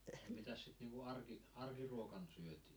mitäs sitten niin kuin - arkiruokana syötiin